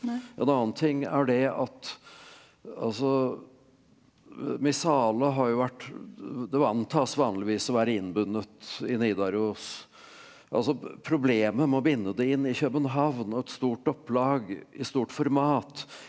en annen ting er det at altså Missale har jo vært det antas vanligvis å være innbundet i Nidaros altså problemet med å binde det inn i København og et stort opplag i stort format.